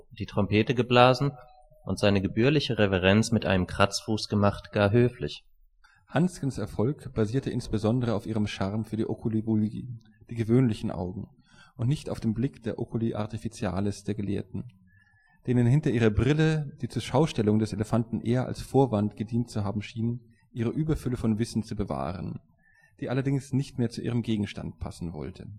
die Trompete geblasen und „ seine gebührliche Reverenz mit einem Kratzfuß gemacht, gar höflich “. Hanskens Erfolg basierte insbesondere auf ihrem Charme für die „ oculi vulgi “, die gewöhnlichen Augen, und nicht auf dem Blick der „ oculi artificiales “der Gelehrten, denen hinter ihrer Brille die Zurschaustellung des Elefanten eher als Vorwand gedient zu haben schien, ihre „ Überfülle von Wissen “zu bewahren, „ die allerdings nicht mehr zu ihrem Gegenstand passen “wollte